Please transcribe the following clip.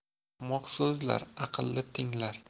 ahmoq so'zlar aqlli tinglar